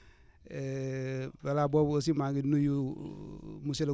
balaa boobu aussi maa ngi nuyu monsieur le